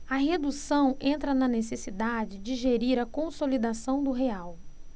a redução entra na necessidade de gerir a consolidação do real